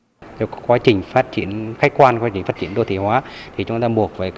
cái quá trình phát triển khách quan quá trình phát triển đô thị hóa thì chúng ta buộc về